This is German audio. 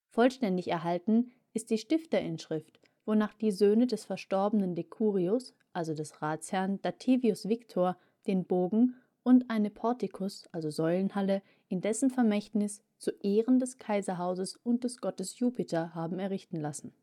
Vollständig erhalten ist die Stifterinschrift, wonach die Söhne des verstorbenen decurios (Ratsherrn) Dativius Victor den Bogen und eine Portikus (Säulenhalle) in dessen Vermächtnis, zu Ehren des Kaiserhauses und des Gottes Jupiter errichten ließen